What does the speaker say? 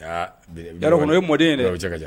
Kɔnɔ o ye mɔden in yɛrɛ bɛ cɛ